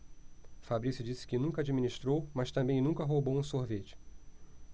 fabrício disse que nunca administrou mas também nunca roubou um sorvete